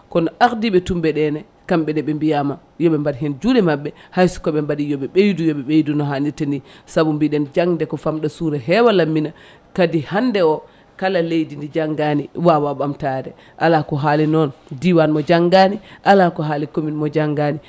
kono ardiɓe tumbeɗene kamɓene ɓe mbiyama yooɓe mbat hen juuɗe mabɓe haysokoɓe mbaɗi yooɓe ɓeydu yooɓe ɓeydu no hanirta ni saabu mbiɗen jangde ko famɗa suura hewa lammina kadi hande o kala leydi ndi janggani wawa ɓamtade ala ko haali noon diwan mo janggani ala ko haali commune mo janggani